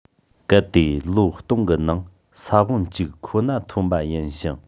གལ ཏེ ལོ སྟོང གི ནང ས བོན གཅིག ཁོ ན ཐོན པ ཡིན ཞིང